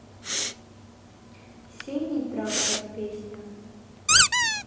синий трактор песня